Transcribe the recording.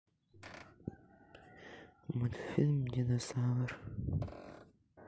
мультфильм динозавр